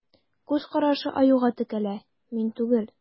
Күз карашы Аюга текәлә: мин түгел.